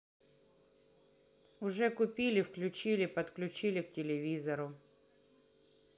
уже купили включили подключили к телевизору